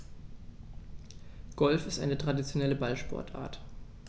Golf ist eine traditionelle Ballsportart.